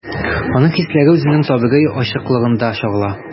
Аның хисләре үзенең табигый ачыклыгында чагыла.